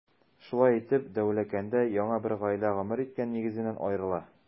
Шулай итеп, Дәүләкәндә янә бер гаилә гомер иткән нигезеннән аерыла.